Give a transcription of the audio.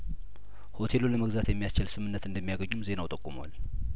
ሆቴሉን ለመግዛት የሚያስችል ስምምነት እንደሚያገኙም ዜናው ጠቁሟል